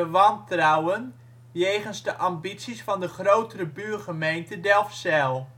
wantrouwen jegens de ambities van de grotere buurgemeente Delfzijl